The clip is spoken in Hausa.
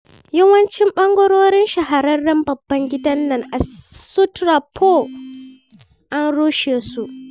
Yawancin ɓangarorin shahararren babban gidan nan a Sutrapur an rushe su.